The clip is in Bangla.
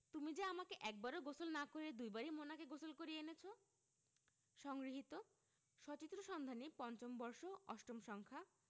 তুমি যে আমাকে একবারও গোসল না করিয়ে দুবারই মোনাকে গোসল করিয়ে এনেছো সংগৃহীত সচিত্র সন্ধানী৫ম বর্ষ ৮ম সংখ্যা